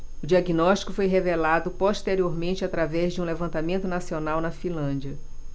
o diagnóstico foi revelado posteriormente através de um levantamento nacional na finlândia